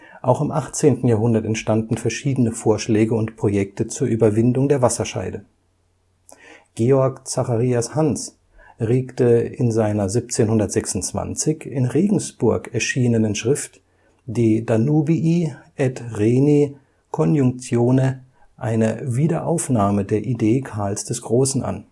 Auch im 18. Jahrhundert entstanden verschiedene Vorschläge und Projekte zur Überwindung der Wasserscheide. Georg Zacharias Hans regte in seiner 1726 in Regensburg erschienenen Schrift De Danubii et Rheni coniunctione eine Wiederaufnahme der Idee Karls des Großen an